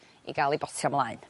i ga'l 'i botio mlaen.